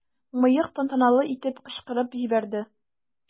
"мыек" тантаналы итеп кычкырып җибәрде.